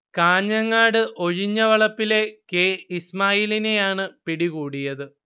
കാഞ്ഞങ്ങാട് ഒഴിഞ്ഞവളപ്പിലെ കെ ഇസ്മായിലിനെയാണ് പിടികൂടിയത്